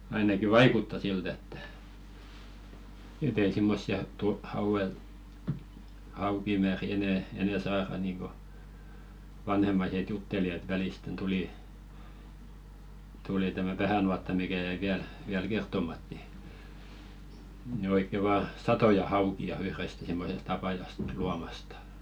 ainakin vaikuttaa siltä että että ei semmoisia - hauella haukimääriä enää enää saada niin kuin vanhemmaiset jutteli että välisten tuli tuli tämä vähänuotta mikä jäi vielä vielä kertomatta niin niin oikein vain satoja haukia yhdestä semmoisesta apajasta luomasta